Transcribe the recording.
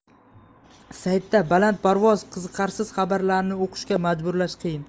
saytda balandparvoz qiziqarsiz xabarlarni o'qishga majburlash qiyin